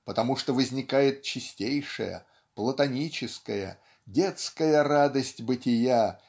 потому что возникает чистейшая платоническая детская радость бытия